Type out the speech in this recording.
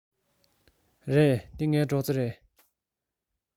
རེད འདི ངའི སྒྲོག རྩེ རེད